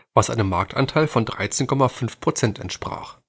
was einem Marktanteil von 13,5 % entsprach